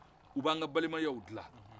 u b 'an ka ka balimayaw dilan